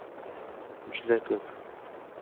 juda ko'p